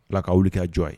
Ala k kaaw wuli kɛ kajɔ ye